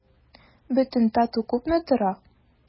Бөтен тату күпме тора?